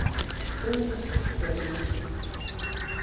пес пес